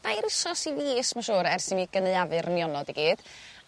dair wsos i fis ma' siŵr ers i mi gynaeafu'r nionod i gyd